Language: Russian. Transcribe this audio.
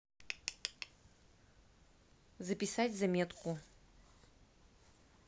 записать заметку